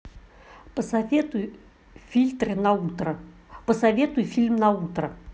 посоветуй фильм на утро